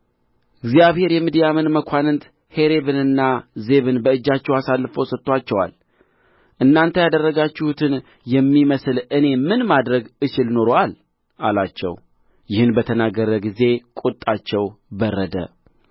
እግዚአብሔር የምድያምን መኳንንት ሔሬብንና ዜብን በእጃችሁ አሳልፎ ሰጥቶአቸዋል እናንተ ያደረጋችሁትን የሚመስል እኔ ምን ማድረግ እችል ኖሮአል አላቸው ይህን በተናገረ ጊዜ ቍጣቸው በረደ